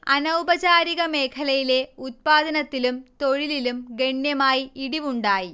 അനൗപചാരിക മേഖലയിലെ ഉത്പാദനത്തിലും തൊഴിലിലും ഗണ്യമായി ഇടിവുണ്ടായി